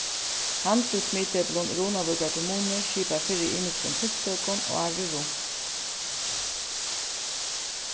handilsmiðdepilin í runavíkar kommunu skipar fyri ymiskum tiltøkum árið runt